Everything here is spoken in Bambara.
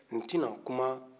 n ti na kuma